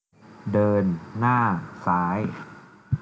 เดินหน้าซ้าย